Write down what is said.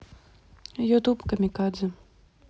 ютуб камикадзе